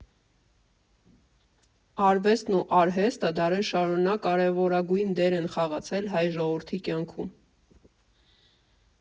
Արվեստն ու արհեստը դարեր շարունակ կարևորագույն դեր են խաղացել հայ ժողովրդի կյանքում։